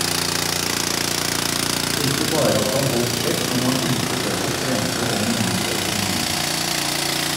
Ikke bare at han holdt kjeft, men han ymtet også frempå om en ny økonomi.